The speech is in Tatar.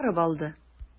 Барып алды.